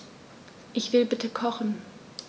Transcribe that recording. Ich will bitte kochen.